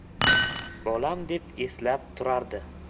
bolam deb eslatib turardi